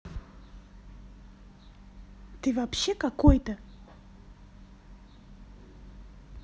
это вообще какой то